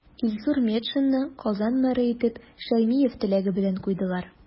Илсур Метшинны Казан мэры итеп Шәймиев теләге белән куйдылар.